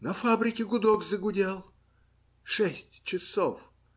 на фабрике гудок загудел. Шесть часов.